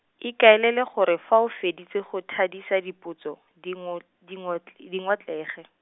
ikaelele gore fa o feditse go thadisa dipotso, di ngo- di ngotl- di ngotlege.